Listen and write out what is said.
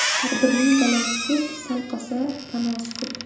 taqdirning balosi ko'p saqlasa panosi ko'p